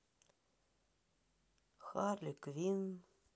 харли квинн